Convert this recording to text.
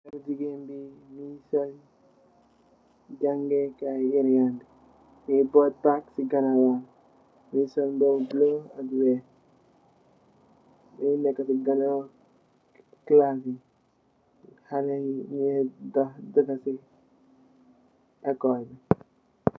Gigain bi Mungi sol jangeh kai yerembi Mungi but bag sey ganaw bi mungi sol mbuba bu blue ak bu weih mungi neka sey ganaw class bi haleh yi nyungei doh duga sey ecole bi.